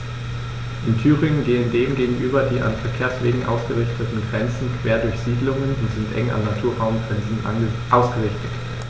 In Thüringen gehen dem gegenüber die an Verkehrswegen ausgerichteten Grenzen quer durch Siedlungen und sind eng an Naturraumgrenzen ausgerichtet.